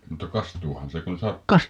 mutta kastuuhan se kun sataa